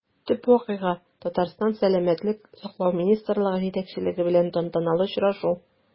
Төп вакыйга – Татарстан сәламәтлек саклау министрлыгы җитәкчелеге белән тантаналы очрашу.